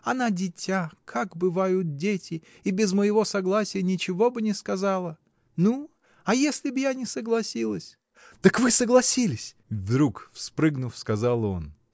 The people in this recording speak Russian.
Она дитя, как бывают дети, и без моего согласия ничего бы не сказала. Ну а если б я не согласилась? — Так вы согласились! — вдруг вспрыгнув, сказал он.